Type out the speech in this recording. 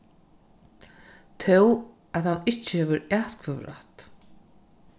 tó at hann ikki hevur atkvøðurætt